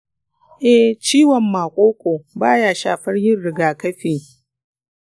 eh, ciwon maƙoƙo ba ya shafar yin rigakafi.